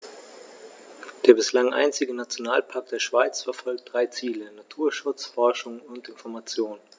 Der bislang einzige Nationalpark der Schweiz verfolgt drei Ziele: Naturschutz, Forschung und Information.